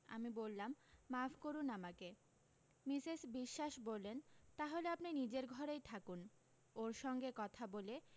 আমি বললাম মাফ করুণ আমাকে মিসেস বিশ্বাস বললেন তাহলে আপনি নিজের ঘরেই থাকুন ওর সঙ্গে কথা বলে